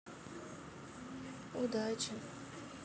удачи